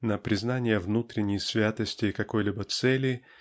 на признание внутренней святости какой-либо цели